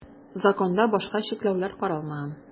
Законда башка чикләүләр каралмаган.